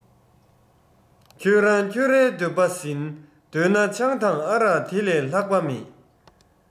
ཁྱོད རང ཁྱོད རའི འདོད པ ཟིན འདོད ན ཆང དང ཨ རག དེ ལས ལྷག པ མེད